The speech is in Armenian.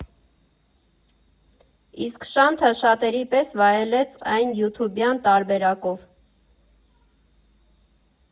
Իսկ Շանթը շատերի պես վայելեց այն յութուբյան տարբերակով։